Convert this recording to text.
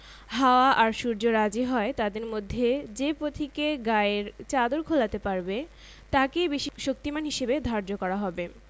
ঈদ অফারে সবাই কাত ৩০০ ফ্রি ফ্রিজে বাজিমাত শীর্ষক ক্যাম্পেইনটি ১ আগস্ট থেকে শুরু হয়ে চলবে মাস জুড়ে ক্যাম্পেইনে ফ্রিজআগস্ট মাস জুড়ে